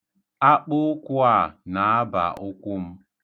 Akpụụkwụ a na-aba ụkwụ m.